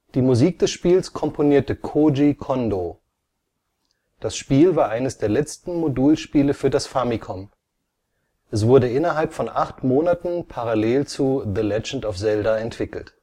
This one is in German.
Die Musik des Spiels komponierte Kōji Kondō. Das Spiel war eines der letzten Modulspiele für das Famicom. Es wurde innerhalb von acht Monaten parallel zu The Legend of Zelda (FDS, 1986) entwickelt